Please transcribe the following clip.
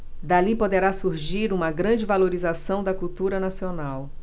dali poderá surgir uma grande valorização da cultura nacional